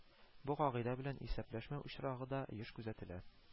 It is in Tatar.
Бу кагыйдә белән исәпләшмәү очрагы да еш күзәтелә